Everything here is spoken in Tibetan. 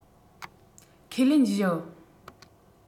ཁས ལེན བཞི